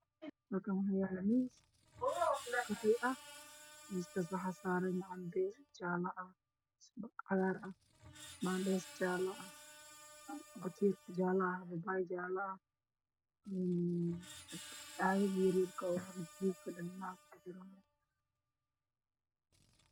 Meeshaan waxaa yaalo miis qaxwi waxaa saaran cambe jaale ah, ismaadheys cagaar ah, batiiq jaale ah, babaay jaale ah, iyo caagad yar.